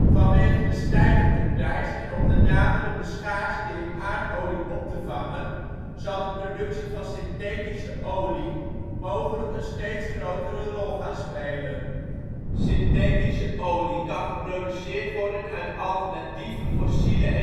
Vanwege de stijgende prijs en om de naderende schaarste in aardolie op te vangen zal de productie van synthetische olie mogelijk een steeds grotere rol gaan spelen. Synthetische olie kan geproduceerd worden uit alternatieve fossiele